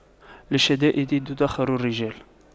للشدائد تُدَّخَرُ الرجال